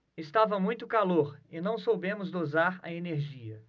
estava muito calor e não soubemos dosar a energia